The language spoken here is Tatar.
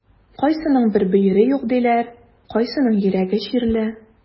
Кайсының бер бөере юк диләр, кайсының йөрәге чирле.